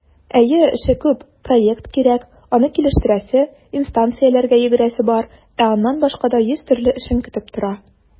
Әйе, эше күп - проект кирәк, аны килештерәсе, инстанцияләргә йөгерәсе бар, ә аннан башка да йөз төрле эшең көтеп тора.